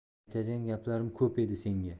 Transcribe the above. aytadigan gaplarim ko'p edi senga